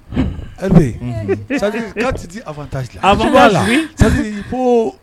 La